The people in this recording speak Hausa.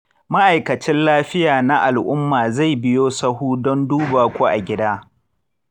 ma'aikacin lafiya na al'umma zai biyo sahu don duba ku a gida.